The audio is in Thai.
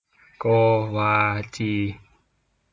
โกวาจี